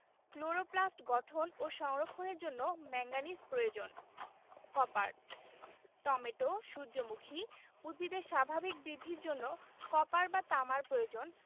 chloroplast গঠন ও সংরক্ষণের জন্য ম্যাংগানিজ প্রয়োজন কপার টমেটো সূর্যমুখী উদ্ভিদের স্বাভাবিক বৃদ্ধির জন্য কপার বা তামার প্রয়োজন